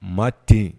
Maa ten